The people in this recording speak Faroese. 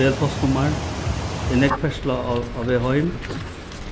vel postnummar er nógv ferðsla á á veg heim